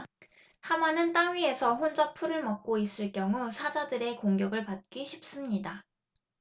하마는 땅 위에서 혼자 풀을 먹고 있을 경우 사자들의 공격을 받기 쉽습니다